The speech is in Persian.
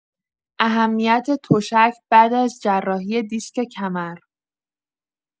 اهمیت تشک بعد از جراحی دیسک کمر